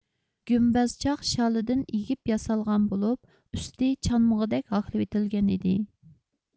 گۈمبەزچاق شالدىن ئېگىپ ياسالغان بولۇپ ئۈستى چانمىغۇدەك ھاكلىۋېتىلگەنىدى